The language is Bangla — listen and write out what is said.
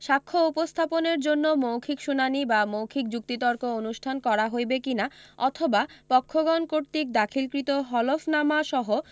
সাক্ষ্য উপস্থাপনের জন্য মৌখিক শুনানী বা মৌখিক যুক্তিতর্ক অনুষ্ঠান করা হইবে কিনা অথবা পক্ষগণ কর্তৃক দাখিলকৃত হলফনামাসহ